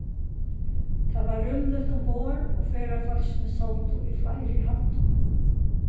tað var rúmligt umborð og ferðafólkini sótu í fleiri hæddum